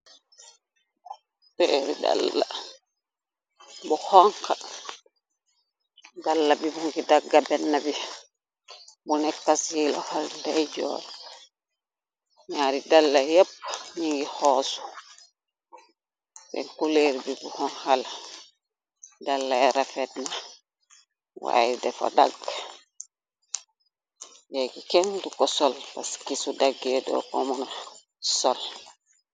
Peeri dalla bu xonku dalla bi bu ngi dagga benna bi bu nekkas yi lu xal ley joor ñaari dalla yepp ñi ngi xoosu ben kuleer bi bu xonxa dallay rafet na waaye defa dagg degi kenn du ko sol pas ki su daggee dur ko mona sol.